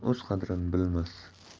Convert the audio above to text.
o'z qadrini bilmas